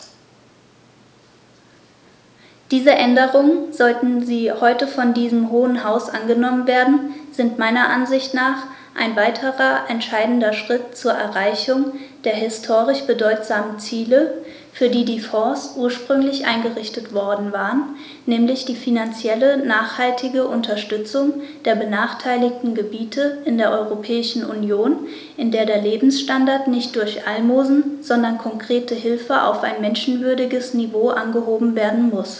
Diese Änderungen, sollten sie heute von diesem Hohen Haus angenommen werden, sind meiner Ansicht nach ein weiterer entscheidender Schritt zur Erreichung der historisch bedeutsamen Ziele, für die die Fonds ursprünglich eingerichtet worden waren, nämlich die finanziell nachhaltige Unterstützung der benachteiligten Gebiete in der Europäischen Union, in der der Lebensstandard nicht durch Almosen, sondern konkrete Hilfe auf ein menschenwürdiges Niveau angehoben werden muss.